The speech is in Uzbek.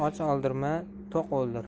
och o'ldirma to'q o'ldir